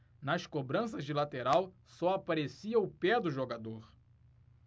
nas cobranças de lateral só aparecia o pé do jogador